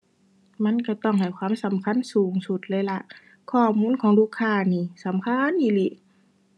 มันก็ต้องให้ความสำคัญสูงสุดเลยล่ะ ข้อมูลของลูกค้านี่สำคัญอีหลี